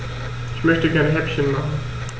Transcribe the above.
Ich möchte gerne Häppchen machen.